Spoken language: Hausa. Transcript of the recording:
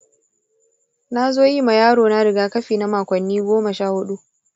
nazo yi ma yaro na rigakafi na makonni goma sha hudu